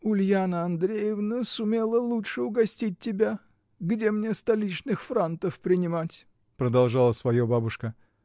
— Ульяна Андреевна сумела лучше угостить тебя: где мне столичных франтов принимать! — продолжала свое бабушка.